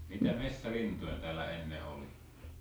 mitä metsälintuja täällä ennen oli